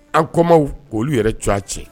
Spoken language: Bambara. An' kɔmaw olu yɛrɛ coya cɛ